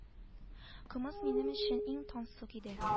Кымыз минем өчен иң тансык иде